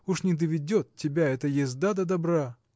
Уж не доведет тебя эта езда до добра!